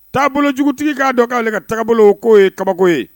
Taabolo jugutigi k'a dɔn k'ale ka taabolo ko ye kabako ye